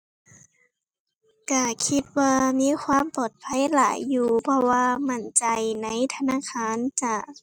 ก็คิดว่ามีความปลอดภัยหลายอยู่ เพราะว่ามั่นใจในธนาคารจ้า